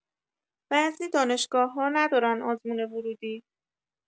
بعضی دانشگاه‌‌ها ندارن آزمون ورودی